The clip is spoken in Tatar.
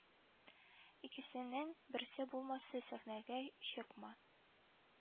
Икесенең берсе булмаса сәхнәгә чыкма